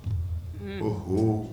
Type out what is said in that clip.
Ɔ hɔn